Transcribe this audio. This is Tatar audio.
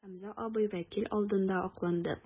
Хәмзә абый вәкил алдында акланды.